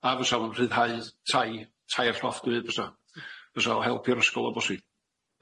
A fysa fo'n rhyddhau tai tair llofft 'yfyd fysa fysa o helpu i'r ysgol o bosib.